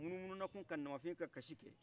a munumunu na tun ka namafun ka kasi kɛ